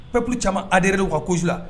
Pp caman adɛrɛ don ka kosiula